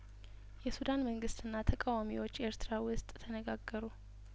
የሱዳን መንግስትና ተቃዋሚዎች ኤርትራ ውስጥ ተነጋገሩ